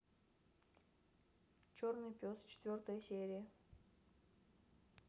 черный пес четвертая серия